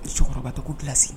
Cɛkɔrɔba tɛ ki